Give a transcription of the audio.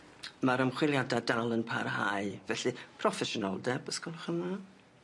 Ma'r ymchwiliada dal yn parhau felly proffesiynoldeb os gwelwch yn dda.